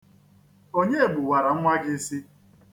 Onye gbuwara nnwa gị isi?